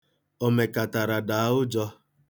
òmèkàtàràdàaụjọ̄